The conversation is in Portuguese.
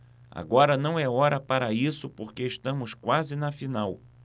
agora não é hora para isso porque estamos quase na final